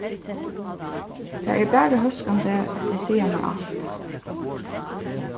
tað er bara hóskandi at tey siga mær alt